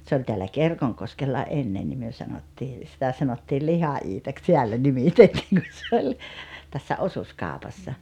se oli täällä Kerkonkoskella ennen niin me sanottiin sitä sanottiin Liha-Iitaksi täällä nimitettiin kun se oli tässä osuuskaupassa